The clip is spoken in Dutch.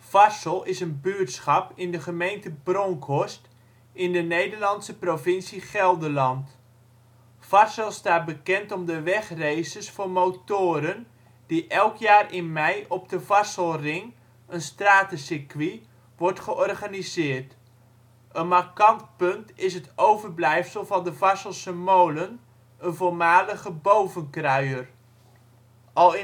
Varssel is een buurtschap in de gemeente Bronckhorst in de Nederlandse provincie Gelderland. Varssel staat bekend om de wegraces voor motoren, die elk jaar in mei op de Varsselring (een stratencircuit) wordt georganiseerd. Een markant punt is het overblijfsel van de Varsselse molen, een voormalige bovenkruier. Al